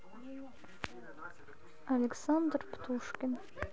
александр птушкин